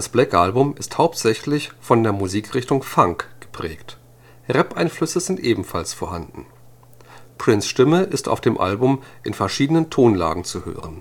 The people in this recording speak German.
Black Album ist hauptsächlich von der Musikrichtung Funk geprägt, Rap-Einflüsse sind ebenfalls vorhanden. Prince’ Stimme ist auf dem Album in verschiedenen Tonlagen zu